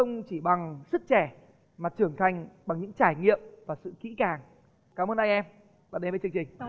không chỉ bằng sức trẻ mà trưởng thành bằng những trải nghiệm và sự kỹ càng cám ơn hai em đã đến với chương trình